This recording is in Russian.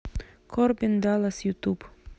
корбен даллас ютюб